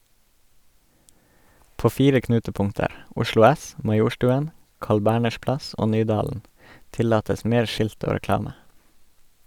På fire knutepunkter, Oslo S, Majorstuen, Carl Berners plass og Nydalen, tillates mer skilt og reklame.